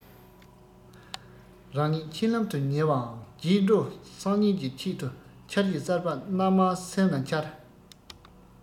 རང ཉིད འཆི ལམ དུ ཉེ བའང བརྗེད འགྲོ སང ཉིན གྱི ཆེད དུ འཆར གཞི གསར བ སྣ མང སེམས ན འཆར